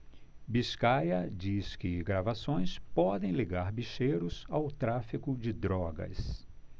biscaia diz que gravações podem ligar bicheiros ao tráfico de drogas